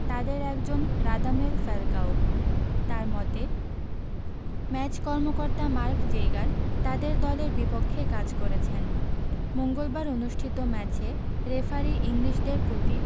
তাদের একজন Radamel Falcao তার মতে ম্যাচ কর্মকর্তা মার্ক জেইগার তাদের দলের বিপক্ষে কাজ করেছেন মঙ্গলবার অনুষ্ঠিত ম্যাচে রেফারি ইংলিশদের প্রতি